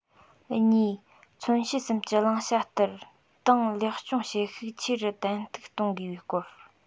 གཉིས མཚོན བྱེད གསུམ གྱི བླང བྱ ལྟར ཏང ལེགས སྐྱོང བྱེད ཤུགས ཆེ རུ ཏན ཏིག གཏོང དགོས པའི སྐོར